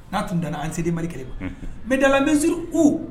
N'a tun nana an se malikɛ ma n mɛdala bɛ suru u